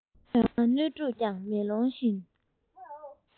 དོན ལྔ སྣོད དྲུག ཀྱང མེ ལོང བཞིན